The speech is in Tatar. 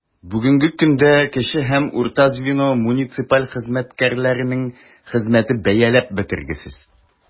Бүгенге көндә кече һәм урта звено муниципаль хезмәткәрләренең хезмәте бәяләп бетергесез.